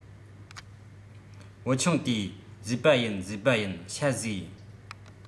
བུ ཆུང དེས བཟས པ ཡིན བཟས པ ཡིན ཤ བཟས